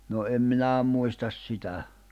no en minä muista sitä